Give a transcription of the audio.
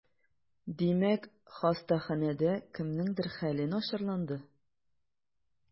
Димәк, хастаханәдә кемнеңдер хәле начарланды?